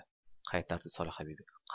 qaytardi solihabibi